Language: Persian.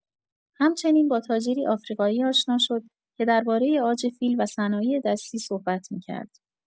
همچنین با تاجری آفریقایی آشنا شد که دربارۀ عاج فیل و صنایع‌دستی صحبت می‌کرد.